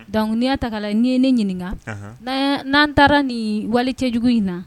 Dɔnkiligya ta la ye ne ɲininka n n'an taara nin wali cɛ jugu in na